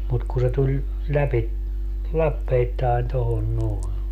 mutta kun se tuli läpi lappeittain tuohon noin